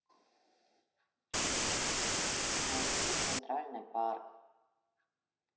найти центральный парк